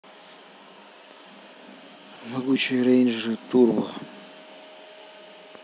могучие рейнджеры турбо